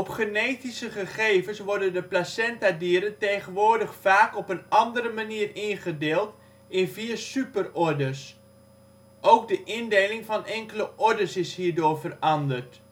genetische gegevens worden de placentadieren tegenwoordig vaak op een andere manier ingedeeld in vier superordes; ook de indeling van enkele ordes is hierdoor veranderd